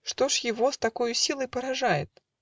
Что ж его С такою силой поражает?